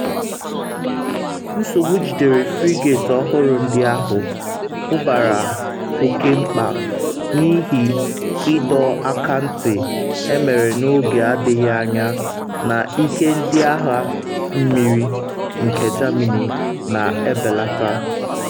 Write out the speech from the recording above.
Nsogbu jidere frigate ọhụrụ ndị ahụ pụbara oke mkpa n’ihi ịdọ aka ntị emere n’oge adịghị anya na ike Ndị Agha Mmiri nke Germany na-ebeleta.